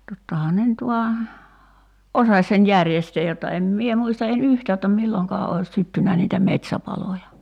tottahan ne nyt vain osasi sen järjestää jotta en minä muista en yhtään jotta milloinkaan olisi syttynyt niitä metsäpaloja